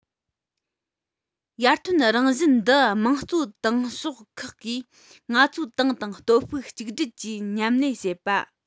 ཡར ཐོན རང བཞིན འདི དམངས གཙོའི ཏང ཤོག ཁག གིས ང ཚོའི ཏང དང སྟོབས ཤུགས གཅིག སྒྲིལ གྱིས མཉམ ལས བྱེད པ